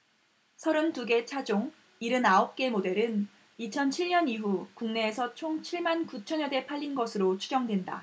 서른 두 개 차종 일흔 아홉 개 모델은 이천 칠 년 이후 국내에서 총 칠 만 구천 여대 팔린 것으로 추정된다